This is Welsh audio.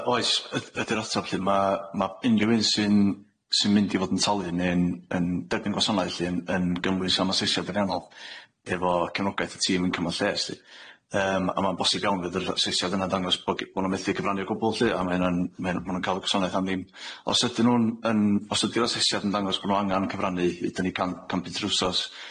Yy oes yd- ydi'r ateb lly ma' ma' unryw un sy'n sy'n mynd i fod yn talu ne'n yn derbyn gwasanaeth lly yn yn gymwys am asesiad ariannol efo cefnogaeth y tîm incwm a lles lly yym a ma'n bosib iawn fydd yr asesiad yna'n dangos bo g- bo nw methu cyfrannu o gwbwl lly a ma' hynna'n ma' hynna ma' nw'n ca'l y gwasanaeth am ddim. Os ydyn nw'n yn os ydi'r asesiad yn dangos bo nw angan cyfrannu udyn ni can- can punt yr wsos